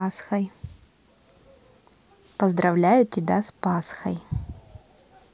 поздравляю тебя с пасхой